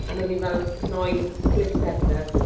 A o'n nhw 'di fel cnoi clust e a pethe.